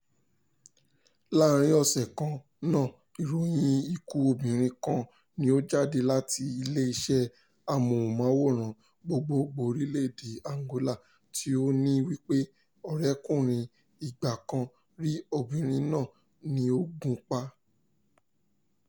Láàárín ọ̀sẹ̀ kan náà, ìròyìn ikú obìnrin kan ni ó jáde láti ilé-iṣẹ́ Amóhùn-máwòrán Gbogboògbò orílẹ̀-èdè Angola tí ó ní wípé ọ̀rẹ́kùnrin ìgbà-kan-rí obìnrin náà ni ó gún un pa.